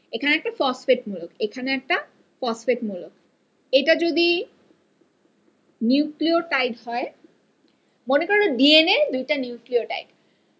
এখানে একটা ফসফেট মূলক এখানে একটা ফসফেট মূলক এটা যদি নিউক্লিওটাইড হয় মনে করো একটা ডিএনএ দুইটা নিউক্লিওটাইড